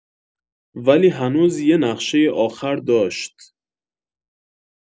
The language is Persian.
ولی هنوز یه نقشۀ آخر داشت.